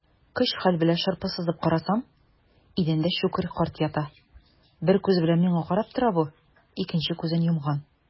Көч-хәл белән шырпы сызып карасам - идәндә Щукарь карт ята, бер күзе белән миңа карап тора бу, икенче күзен йомган.